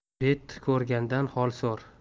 bet ko'rgandan hoi so'r